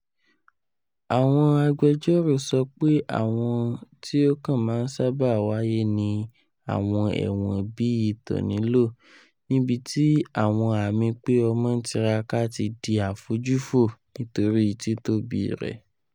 Awọn agbẹjọro sọ pe awọn ti o kan maa n saba waye ni awọn ẹwọn bii Tornillo, nibi ti awọn ami pe ọmọ n tiraka ti di afojufo, nitori titobi rẹ.